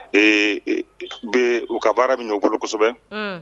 Ee u ka baara min o kolo kosɛbɛ